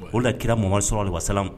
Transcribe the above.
O da kirara mugan sɔrɔ de wa sa